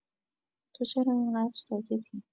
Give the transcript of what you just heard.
تو چرا این‌قدر ساکتی؟